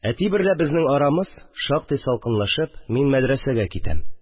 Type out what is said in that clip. Әти берлә безнең арамыз шактый салкынлашып, мин мәдрәсәгә китәм